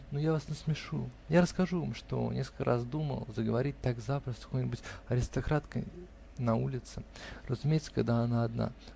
Но я вас насмешу, я расскажу вам, что несколько раз думал заговорить, так, запросто, с какой-нибудь аристократкой на улице, разумеется, когда она одна